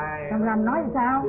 càm ràm nói làm sao